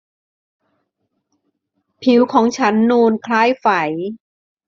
ผิวของฉันนูนคล้ายไฝ